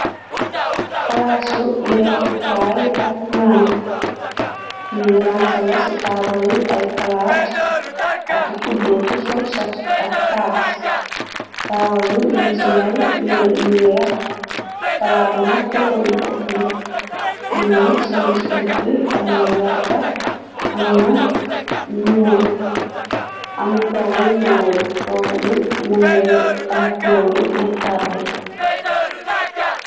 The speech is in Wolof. palaasu lekkukaay ak naan ni ransala ci taabal i ay palaat ak ki kuddu ki forset ak caas taabalu ñin ci lal yere yu weex palaat yi na kloori bokk am na sengi ci bukki am na werta am na nuun ami toog yu ko wur toog bi nonge am kulooru mu tàdd